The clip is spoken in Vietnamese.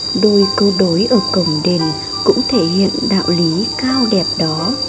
đôi câu đối ở cổng đền cũng thể hiện đạo lý cao đẹp đó